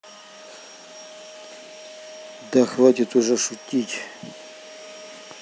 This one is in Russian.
да хватит уже шутить